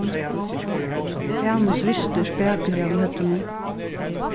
hanus ristir spakuliga við høvdinum